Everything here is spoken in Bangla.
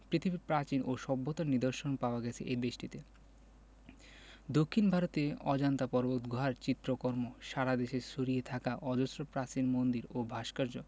পৃথিবীর প্রাচীন ও সভ্যতার নিদর্শন পাওয়া গেছে এ দেশটিতে দক্ষিন ভারতে অজন্তা পর্বতগুহার চিত্রকর্ম সারা দেশে ছড়িয়ে থাকা অজস্র প্রাচীন মন্দির ও ভাস্কর্য